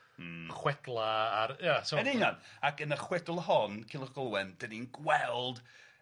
Hmm. ...chwedla ar ia so... Yn union ac yn y chwedl hon Culhwch ag Olwen 'dan ni'n gweld